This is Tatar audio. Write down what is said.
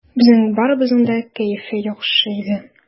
Безнең барыбызның да кәеф яхшы иде.